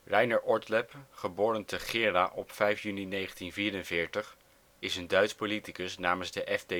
Rainer Ortleb (Gera, 5 juni 1944) is een Duits politicus namens de FDP